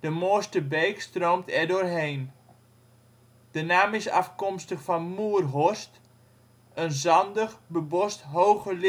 Moorsterbeek stroomt erdoorheen. De naam is afkomstig van " moer-horst ": een zandig, bebost hoger